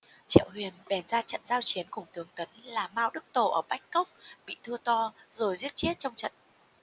triệu huyền bèn ra trận giao chiến cùng tướng tấn là mao đức tổ ở bách cốc bị thua to rồi chết trong trận